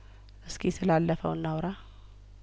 እስኪ ስላለፈው እናውራ